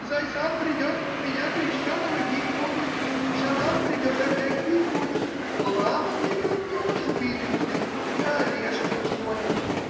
зайсан придет — меня крещеного бить будет, шаман придет — опять бить будет, лама придет — тоже бить будет и олешков сгонит.